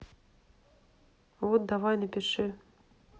вот давай напиши